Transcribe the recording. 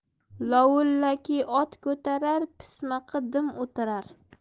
lovullaki ot ko'tarar pismiqi dim o'tirar